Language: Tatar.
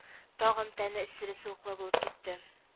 Тагын тәне эсселе-суыклы булып китте